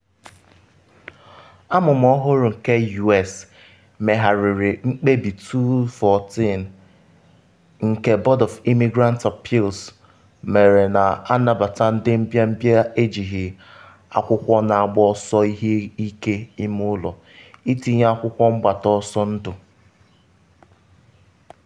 Amụma ọhụrụ nke U.S megharịrị mkpebi 2014 nke Board of Immigrant Appeals mere na-anabata ndị mbịambịa ejighị akwụkwọ na-agba ọsọ ihe ike ime ụlọ itinye akwụkwọ mgbata ọsọ ndụ.